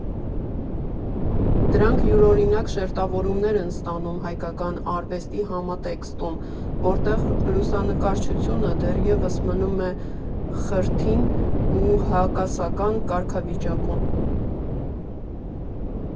Դրանք յուրօրինակ շերտավորումներ են ստանում հայկական արվեստի համատեքստում, որտեղ լուսանկարչությունը դեռևս մնում է խրթին ու հակասական կարգավիճակում։